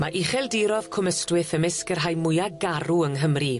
Ma' ucheldirodd Cwm Ystwyth ymysg y rhai mwya garw yng Nghymru.